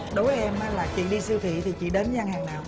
đố em á là chị đi siêu thị thì chị đến nhà hàng nào